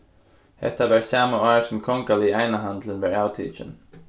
hetta var sama ár sum kongaligi einahandilin var avtikin